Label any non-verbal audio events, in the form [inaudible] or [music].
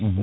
[hesitation] [hesitation]